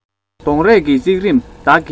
གདོང རས ཀྱི བརྩེགས རིམ བདག གིས